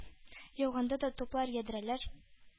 Яуганда да туплар, ядрәләр,